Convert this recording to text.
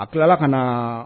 A tilala ka na